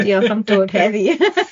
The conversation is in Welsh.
Diolch am dod heddi